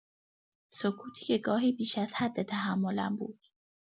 سکوتی که گاهی بیش از حد تحملم بود.